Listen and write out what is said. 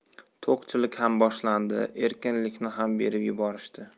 to'qchilik ham boshlandi erkinlikni ham berib yuborishdi